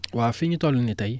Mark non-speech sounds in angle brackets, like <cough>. <smacks lips> waaw fii ñu toll nii tey